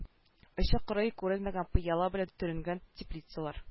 Очы-кырые күренмәгән пыяла белән төренгән теплицалар